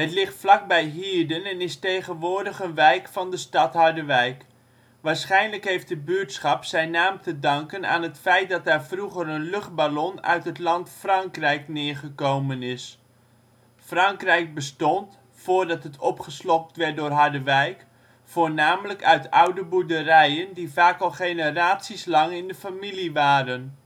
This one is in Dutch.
ligt vlakbij Hierden en is tegenwoordig een wijk van de stad Harderwijk. Waarschijnlijk heeft de buurtschap zijn naam te danken aan het feit dat daar vroeger een luchtballon uit het land Frankrijk neergekomen is. Frankrijk bestond, voordat het opgeslokt werd door Harderwijk, voornamelijk uit oude boerderijen die vaak al generaties lang in de familie waren